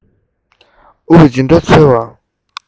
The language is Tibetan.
འབུ ཅི འདྲ འཚོལ བ